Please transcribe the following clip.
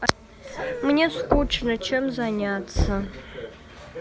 мне скучно чем заняться